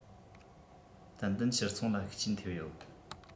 ཏན ཏན ཕྱིར ཚོང ལ ཤུགས རྐྱེན ཐེབས ཡོད